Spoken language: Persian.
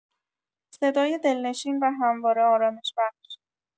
صدای دلنشین و همواره آرامش‌بخش